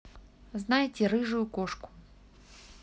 знаете рыжую кошку